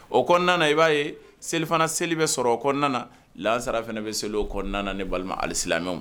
O kɔnɔna i b'a ye selifana seli bɛ sɔrɔ o kɔnɔna, lansara fana bɛ seli o kɔnɔna ne balima alisilamɛw.